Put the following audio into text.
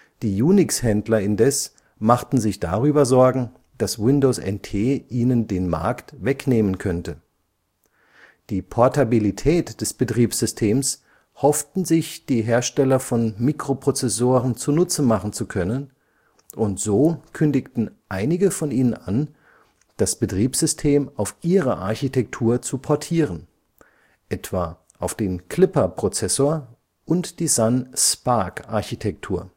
Die Unix-Händler indes machten sich darüber Sorgen, dass Windows NT ihnen den Markt wegnehmen könnte. Die Portabilität des Betriebssystems hofften sich die Hersteller von Mikroprozessoren zunutze machen zu können, und so kündigten einige von ihnen an, das Betriebssystem auf ihre Architektur zu portieren, etwa auf den Clipper-Prozessor und die Sun-SPARC-Architektur